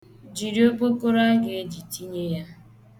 Jiri okpokoro a ga-eji tinye ya.